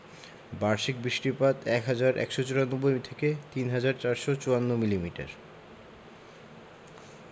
বার্ষিক বৃষ্টিপাত ১হাজার ১৯৪ থেকে ৩হাজার ৪৫৪ মিলিমিটার